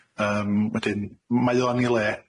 Yym wedyn, mae o yn 'i le,